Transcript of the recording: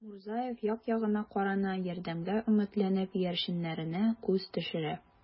Мурзаев як-ягына карана, ярдәмгә өметләнеп, иярченнәренә күз төшерә.